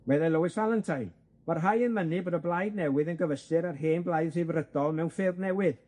Medde Lewis Valentine, ma' rhai yn mynnu bod y blaid newydd yn gyfystyr ar hen blaid Rhyddfrydol mewn ffurf newydd,